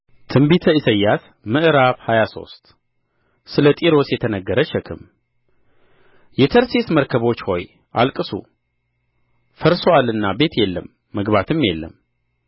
ትንቢተ ኢሳይያስ ምዕራፍ ሃያ ሶስት ስለ ጢሮስ የተነገረ ሸክም የተርሴስ መርከቦች ሆይ አልቅሱ ፈርሶአልና ቤት የለም መግባትም የለም